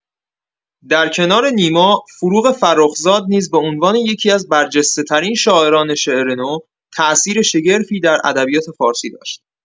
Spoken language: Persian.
در کنار نیما، فروغ فرخزاد نیز به‌عنوان یکی‌از برجسته‌ترین شاعران شعر نو، تاثیر شگرفی در ادبیات فارسی داشت.